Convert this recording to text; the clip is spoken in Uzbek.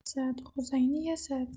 asad g'o'zangni yasat